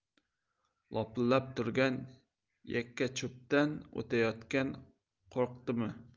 lopillab turgan yakkacho'pdan o'tayotganda qo'rqdimu